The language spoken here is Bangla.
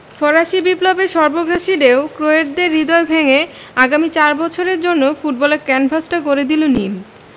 ফরাসি বিপ্লবের সর্বগ্রাসী ঢেউ ক্রোটদের হৃদয় ভেঙে আগামী চার বছরের জন্য ফুটবলের ক্যানভাসটা করে দিল নীল